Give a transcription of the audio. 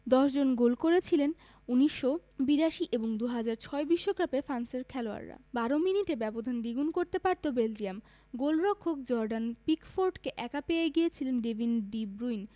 ১০ জন গোল করেছিলেন ১৯৮২ ও ২০০৬ বিশ্বকাপে ফ্রান্সের খেলোয়াড়রা ১২ মিনিটে ব্যবধান দ্বিগুণ করতে পারত বেলজিয়াম গোলরক্ষক জর্ডান পিকফোর্ডকে একা পেয়ে গিয়েছিলেন ডেভিন ডি ব্রুইন